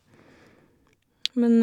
Men...